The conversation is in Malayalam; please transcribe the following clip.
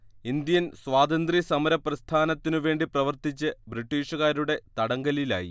ഇന്ത്യൻ സ്വാതന്ത്ര്യ സമരപ്രസ്ഥാനത്തിനു വേണ്ടി പ്രവർത്തിച്ച് ബ്രിട്ടീഷുകാരുടെ തടങ്കലിലായി